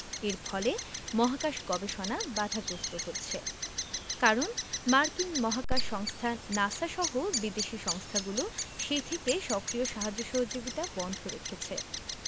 এর ফলে মহাকাশ গবেষণা বাধাগ্রস্ত হচ্ছে কারণ মার্কিন মহাকাশ সংস্থা নাসা সহ বিদেশি সংস্থাগুলো সেই থেকে সক্রিয় সাহায্য সহযোগিতা বন্ধ রেখেছে